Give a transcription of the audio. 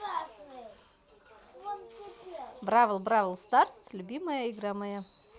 brawl бравл старс любимая игра моя